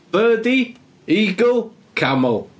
Birdie, Eagle, Camel.